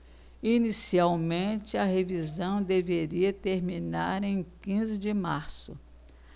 inicialmente a revisão deveria terminar em quinze de março